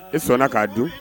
I sɔnna k'a dun